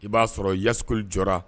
I b'a sɔrɔ Yasikuli jɔra